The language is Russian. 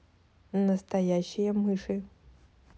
настоящие мыши